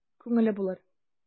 Күңеле булыр...